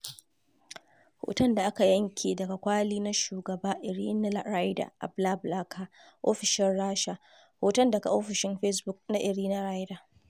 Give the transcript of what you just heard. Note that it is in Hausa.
Hoton da aka yanke daga kwali na shugaba Iirina Reyder a BlaBlaCar ofishin Rasha. Hoto daga shafin Fesbuk na Irina Reyder.